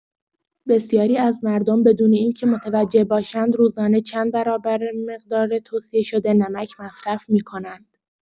بسیاری از مردم بدون اینکه متوجه باشند، روزانه چندبرابر مقدار توصیه‌شده نمک مصرف می‌کنند.